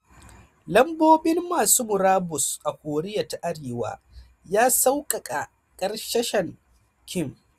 Lambobin masu murabus a Koriya ta Arewa ya'sauka' a karkashin Kim